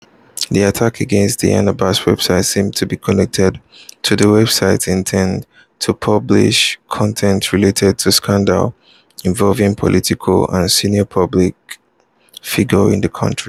The attack against the Anbaa website seems to be connected to the website’s intent to publish content related to scandals involving politicians and senior public figures in the country.